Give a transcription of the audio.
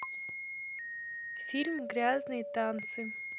фильм грязные танцы